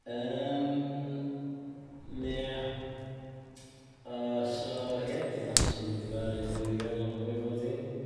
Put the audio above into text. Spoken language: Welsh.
Yym, mae o yy so ie dwi massively difaru beidio ga'l nw pan o'n i'n fourteen.